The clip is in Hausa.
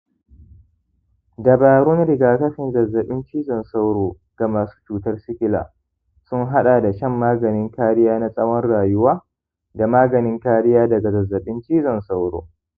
dabarun rigakafin zazzaɓin cizon sauro ga masu cutar sikila sun haɗa da shan maganin kariya na tsawon rayuwa da maganin kariya daga zazzaɓin cizon sauro